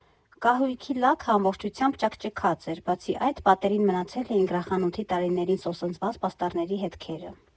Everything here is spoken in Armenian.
Կահույքի լաքը ամբողջությամբ ճաքճքած էր, բացի այդ, պատերին մնացել էին գրախանութի տարիներին սոսնձված պաստառների հետքերը.